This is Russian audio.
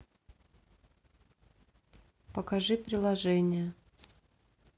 покажи приложение